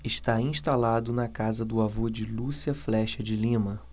está instalado na casa do avô de lúcia flexa de lima